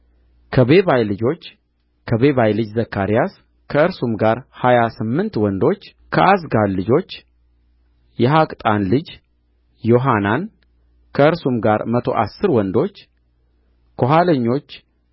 ከቤባይ ልጆች የቤባይ ልጅ ዘካርያስ ከእርሱም ጋር ሀያ ስምንት ወንዶች ከዓዝጋድ ልጆች የሃቃጣን ልጅ ዮሐናን ከእርሱም ጋር መቶ አሥር ወንዶች ከኋለኞቹ